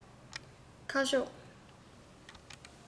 ཁ ཕྱོགས